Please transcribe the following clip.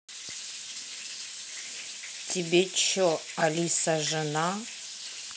тебе че алиса жена